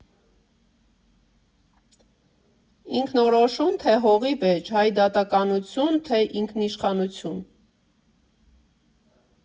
Ինքնորոշո՞ւմ, թե՞ հողի վեճ, հայդատականություն, թե՞ ինքնիշխանություն։